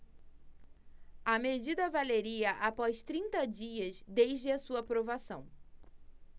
a medida valeria após trinta dias desde a sua aprovação